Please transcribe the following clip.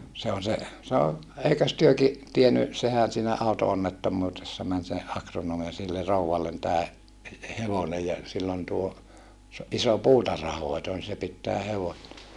se on se sanoi eikös tekin tiennyt sehän siinä auto-onnettomuudessa meni se agronomi ja sille rouvalle tämä - hevonen ja sillä on tuo iso puutarhanhoito niin se pitää hevosta